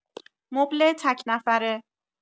مبل تک‌نفره